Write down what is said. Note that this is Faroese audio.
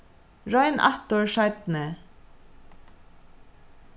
royn aftur seinni